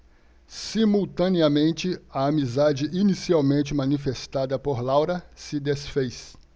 simultaneamente a amizade inicialmente manifestada por laura se disfez